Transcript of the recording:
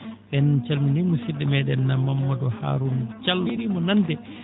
en calminii musidɗo meeɗen Namma Mamadou Harouna en mbayrii mo nande